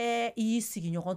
Ɛɛ, I y'i sigiɲɔgɔn